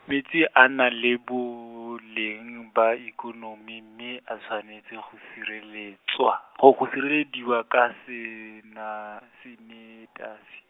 metsi a na le boleng ba ikonomi mme, a tshwanetse go sireletswa, oh go sirelediwa ka sena- sanetasi.